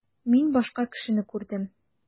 Мин башка кешене күрдем.